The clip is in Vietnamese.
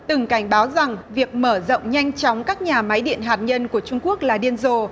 từng cảnh báo rằng việc mở rộng nhanh chóng các nhà máy điện hạt nhân của trung quốc là điên rồ